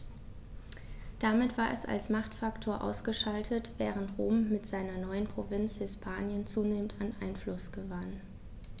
Damit war es als Machtfaktor ausgeschaltet, während Rom mit seiner neuen Provinz Hispanien zunehmend an Einfluss gewann.